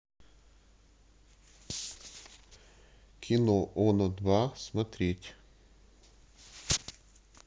кино оно два смотреть